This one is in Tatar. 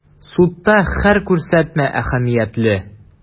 Судта һәр күрсәтмә әһәмиятле.